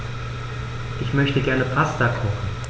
Ich möchte gerne Pasta kochen.